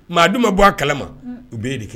Maadu ma bɔ a kalama u bɛɛ de kɛ